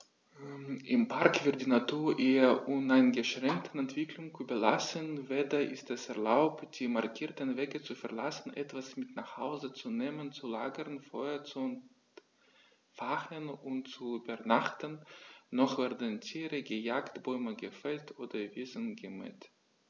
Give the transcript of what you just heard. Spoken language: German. Im Park wird die Natur ihrer uneingeschränkten Entwicklung überlassen; weder ist es erlaubt, die markierten Wege zu verlassen, etwas mit nach Hause zu nehmen, zu lagern, Feuer zu entfachen und zu übernachten, noch werden Tiere gejagt, Bäume gefällt oder Wiesen gemäht.